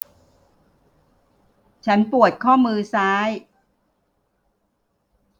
ฉันปวดข้อมือซ้าย